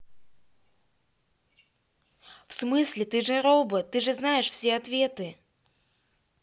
в смысле ты же робот ты же знаешь все ответы